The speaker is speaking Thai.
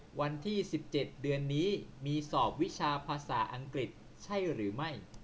วันที่สิบเจ็ดเดือนนี้มีสอบวิชาภาษาอังกฤษใช่หรือไม่